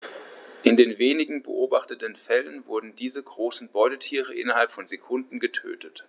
In den wenigen beobachteten Fällen wurden diese großen Beutetiere innerhalb von Sekunden getötet.